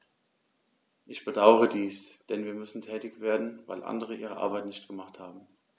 Ich bedauere dies, denn wir müssen tätig werden, weil andere ihre Arbeit nicht gemacht haben.